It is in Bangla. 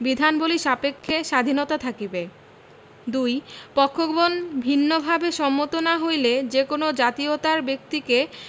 বিধানবলী সাপেক্ষে স্বাধীনতা থাকিবে ২ পক্ষগণ ভিন্নভাবে সম্মত না হইলে যে কোন জাতীয়তার ব্যক্তিকে